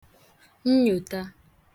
nyòta